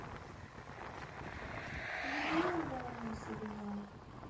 верни обратно сериал